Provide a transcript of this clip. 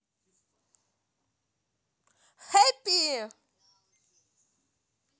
happy